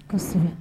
Ka suma